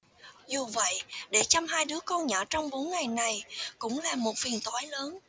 dù vậy để chăm hai đứa con nhỏ trong bốn ngày này cũng là một phiền toái lớn